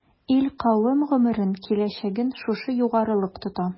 Ил-кавем гомерен, киләчәген шушы югарылык тота.